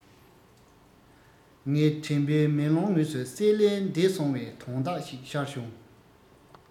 ངའི དྲན པའི མེ ལོང ངོས སུ གསལ ལེར འདས སོང པའི དོན དག ཞིག ཤར བྱུང